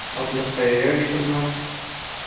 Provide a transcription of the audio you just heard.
otliqqa yayov yetolmas